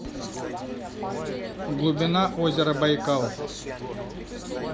глубина озера байкал